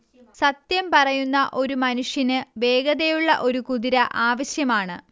സത്യം പറയുന്ന ഒരു മനുഷ്യന് വേഗതയുള്ള ഒരു കുതിര ആവശ്യമാണ്